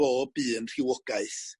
bob un rhywogaeth